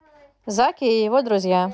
заки и его друзья